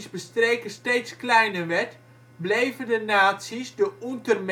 bestreken steeds kleiner werd, bleven de nazi 's de